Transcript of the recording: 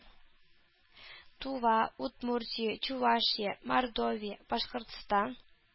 Тува, Удмуртия, Чувашия, Мордовия, Башкортстан